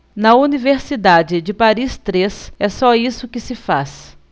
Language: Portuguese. na universidade de paris três é só isso que se faz